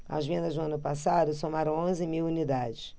as vendas no ano passado somaram onze mil unidades